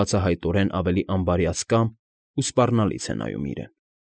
Բացահայտորեն ավելի անբարյացկամ ու սպառնալից էր նայում իրեն։